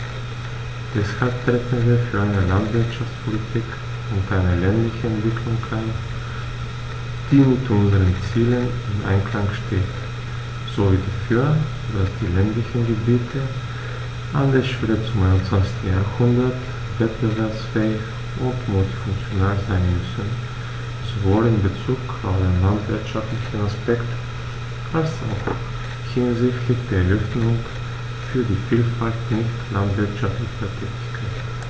Deshalb treten wir für eine Landwirtschaftspolitik und eine ländliche Entwicklung ein, die mit unseren Zielen im Einklang steht, sowie dafür, dass die ländlichen Gebiete an der Schwelle zum 21. Jahrhundert wettbewerbsfähig und multifunktional sein müssen, sowohl in bezug auf den landwirtschaftlichen Aspekt als auch hinsichtlich der Öffnung für die Vielfalt nicht landwirtschaftlicher Tätigkeiten.